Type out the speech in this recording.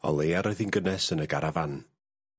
O leia roedd hin gynnes yn y garafan.